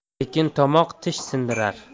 tekin tomoq tish sindirar